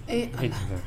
Ee a